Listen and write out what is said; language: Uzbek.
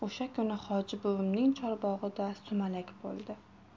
o'sha kuni hoji buvining chorbog'ida sumalak bo'ldi